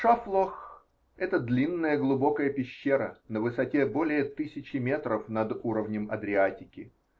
Шафлох -- это длинная глубокая пещера на высоте более тысячи метров над уровнем Адриатики.